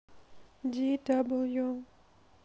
dw